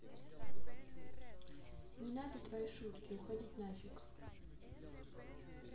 не надо твои шутки уходить нафиг